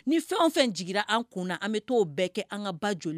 Ni fɛn fɛn jigin an kun an bɛ taa'o bɛɛ kɛ an ka ba joli